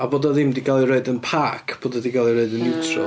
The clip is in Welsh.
A bod o ddim 'di cael ei rhoid yn park bod o 'di cael ei rhoid yn niwtral...